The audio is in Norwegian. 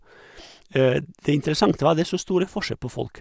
Det interessant var det er så store forskjell på folk.